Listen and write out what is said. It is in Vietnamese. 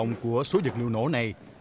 của sự vật liệu nổ này